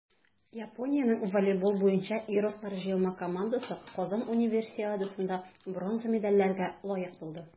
Япониянең волейбол буенча ир-атлар җыелма командасы Казан Универсиадасында бронза медальләргә лаек булды.